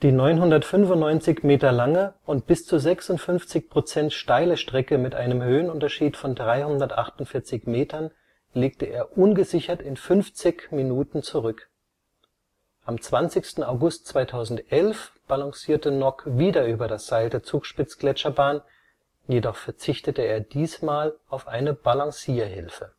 995 m lange und bis zu 56 % steile Strecke (Höhenunterschied: 348 m) legte er ungesichert in 50 min zurück. Am 20. August 2011 balancierte Nock wieder über das Seil der Zugspitz-Gletscherbahn, jedoch verzichtete er diesmal auf eine Balancierhilfe